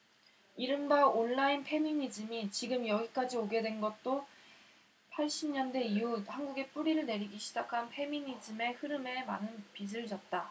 이른바 온라인 페미니즘이 지금 여기까지 오게 된 것도 팔십 년대 이후 한국에 뿌리를 내리기 시작한 페미니즘의 흐름에 많은 빚을 졌다